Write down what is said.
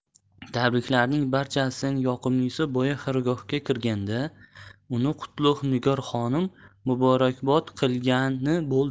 tabriklarning barchasidan yoqimlisi boya xirgohga kirganda uni qutlug' nigor xonim muborakbod qilgani bo'ldi